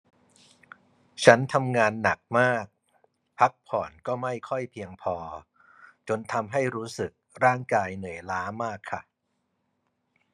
ฉันทำงานหนักมากพักผ่อนก็ไม่ค่อยเพียงพอจนทำให้รู้สึกร่างกายเหนื่อยล้ามากค่ะ